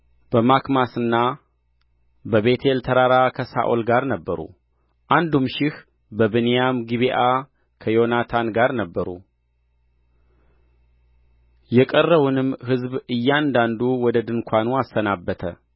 በማክማስና በቤቴል ተራራ ከሳኦል ጋር ነበሩ አንዱም ሺህ በብንያም ጊብዓ ከዮናታን ጋር ነበሩ የቀረውንም ሕዝብ እያንዳንዱ ወደ ድንኳኑ አሰናበተ